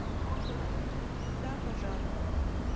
да пожалуй